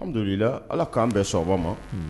Alihamidulila! Ala k'an bɛ sababa ma.